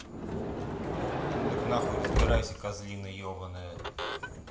ну дак нахуй разбирайся козлина ебаная